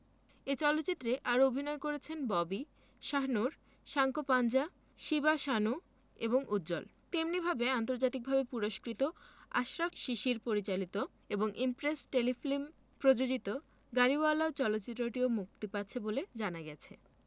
এ চলচ্চিত্রে আরও অভিনয় করেছেন ববি শাহনূর সাঙ্কোপাঞ্জা শিবা সানু এবং উজ্জ্বল তেমনিভাবে আন্তর্জাতিকভাবে পুরস্কৃত আশরাফ শিশির পরিচালিত এবং ইমপ্রেস টেলিফিল্ম প্রযোজিত গাড়িওয়ালা চলচ্চিত্রটিও মুক্তি পাচ্ছে বলে জানা গেছে